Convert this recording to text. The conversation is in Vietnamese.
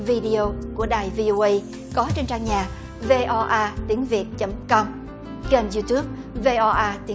vi đê ô của đài vi ô guây có trên trang nhà vê o a tiếng việt chấm com kênh diu túp vê ô a tiếng